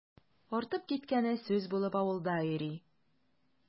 Артып киткәне сүз булып авылда йөри.